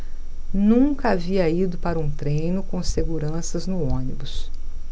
nunca havia ido para um treino com seguranças no ônibus